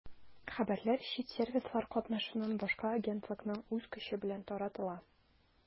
Хәбәрләр чит сервислар катнашыннан башка агентлыкның үз көче белән таратыла.